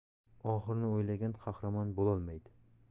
oxirini o'ylagan qahramon bo'lolmaydi